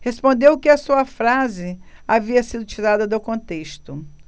respondeu que a sua frase havia sido tirada do contexto